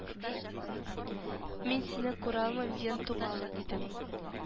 Мин сине күралмыйм ен тубалы дидең